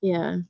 Ie.